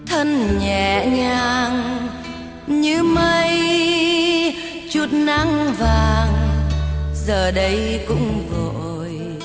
thân nhẹ nhàng như mây chút nắng vàng giờ đây cũng vội